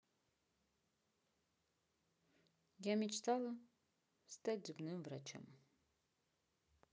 я мечтала стать зубным врачом